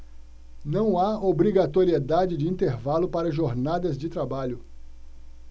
não há obrigatoriedade de intervalo para jornadas de trabalho